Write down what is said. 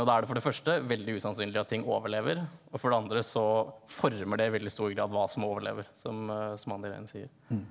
og da er det for det første veldig usannsynlig at ting overlever og for det andre så former det i veldig stor grad hva som overlever som som Anne Irene sier.